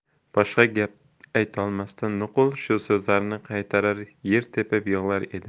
boshqa gap aytolmasdan nuqul shu so'zlarni qaytarar yer tepinib yig'lar edim